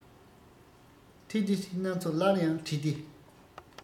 ཐེ རྡི སིའི གནའ མཚོ སླར ཡང བྲི སྟེ